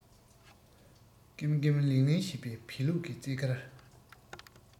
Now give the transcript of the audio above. ཀེམ ཀེམ ལིང ལིང བྱེད པའི བེའུ ལུག གི རྩེད གར